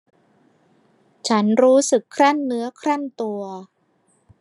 ฉันรู้สึกครั่นเนื้อครั่นตัว